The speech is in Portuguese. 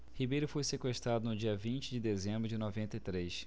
ribeiro foi sequestrado no dia vinte de dezembro de noventa e três